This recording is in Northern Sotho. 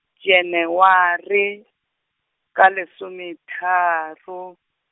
Janaware, ka lesometharo.